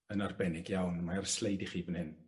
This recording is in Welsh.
yn arbennig iawn, mae ar sleid i chi fyn hyn.